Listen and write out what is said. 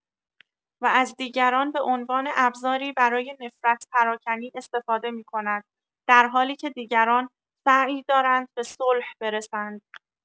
و از دیگران به عنوان ابزاری برای نفرت پراکنی استفاده می‌کند درحالی که دیگران سعی دارند به صلح برسند.